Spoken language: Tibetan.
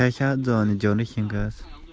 ཁོ གཉིས ནི ཡུན རིང མ འཕྲད པའི